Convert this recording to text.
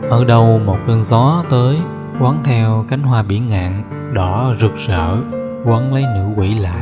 ở đâu một cơn gió tới quấn theo cánh hoa bỉ ngạn đỏ rực sở quấn lấy nữ quỷ lại